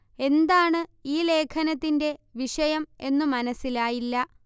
എന്താണ് ഈ ലേഖനത്തിന്റെ വിഷയം എന്നു മനസ്സിലായില്ല